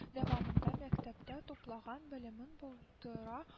Дәвамында мәктәптә туплаган белемен булдыра